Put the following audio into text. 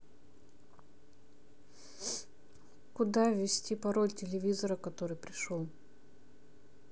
куда ввести пароль телевизора который пришел